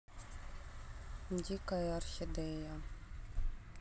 дикая орхидея